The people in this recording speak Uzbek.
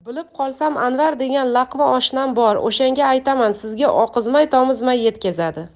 bilib qolsam anvar degan laqma oshnam bor o'shanga aytaman sizga oqizmay tomizmay yetkazadi